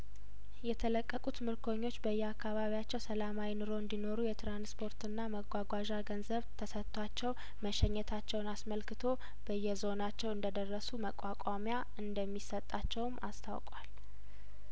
የተለቀቁት ምርኮኞች በየአካባቢያቸው ሰላማዊ ኑሮ እንዲ ኖሩ የትራንስፖርትና መጓጓዣ ገንዘብ ተሰጥቷቸው መሸኘታቸውን አስመልክቶ በየዞ ናቸው እንደደረሱ መቋቋሚያ እንደሚሰጣቸውም አስታውቋል